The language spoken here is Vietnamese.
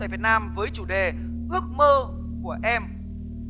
tại việt nam với chủ đề ước mơ của em